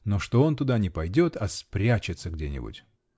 но что он туда не пойдет, а спрячется где-нибудь!